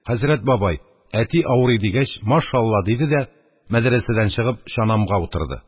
«хәзрәт бабай, әти авырый», – дигәч: «машалла!» – диде дә, мәдрәсәдән чыгып, чанамга утырды.